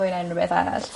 ...mwy na unrywbeth arall.